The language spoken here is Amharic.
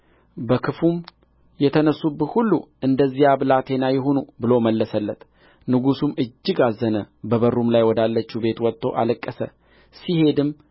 በክፉም የተነሡብህ ሁሉ እንደዚያ ብላቴና ይሁኑ ብሎ መለሰለት ንጉሡም እጅግ አዘነ በበሩም ላይ ወዳለችው ቤት ወጥቶ አለቀሰ ሲሄድም